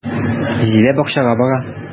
Зилә бакчага бара.